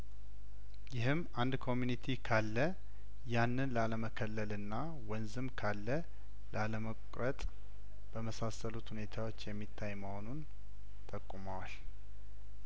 ይኸም አንድ ኮሚኒቲ ካለያንን ላለመከለልና ወንዝም ካለላ ለመቁረጥ በመሳሰሉት ሁኔታዎች የሚታይመሆኑን ጠቁ መዋል